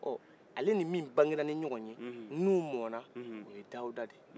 hon ale nin min bakera nin ɲɔgɔn ye n'u mɔnan o ye dawuda de ye